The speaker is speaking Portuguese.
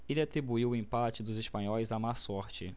ele atribuiu o empate dos espanhóis à má sorte